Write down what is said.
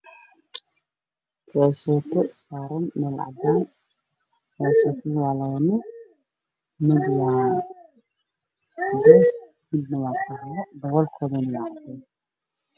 Roteyso saran mel cadan wan labo nuuc mid waa cades midnah waa qaxwi dabolka waa cades